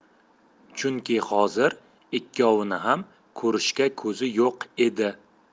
chunki hozir ikkovini ham ko'rishga ko'zi yo'q edi